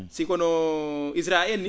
si kono ISRA en nii